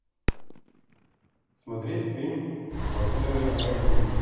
смотреть фильм сквозные ранения